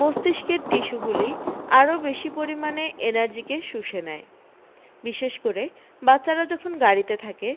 মস্তিষ্কের টিস্যুগুলি আরও বেশী পরিমাণে এনার্জি কে শুষে নেয় বিশেষ করে বাচ্চারা যখন গাড়িতে থাকে